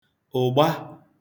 ụ̀gba